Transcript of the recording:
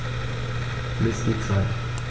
Miss die Zeit.